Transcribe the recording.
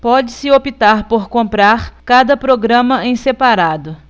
pode-se optar por comprar cada programa em separado